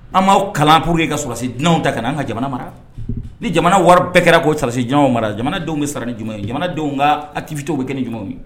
An b'aw kalan puruur que kalasi dunanw ta ka an ka jamana mara ni jamana wara bɛɛ kɛra k'o salasi jama mara jamanadenw bɛ sara ni ɲuman ye jamanadenw ka akibi to kɛ ni jumɛnw ye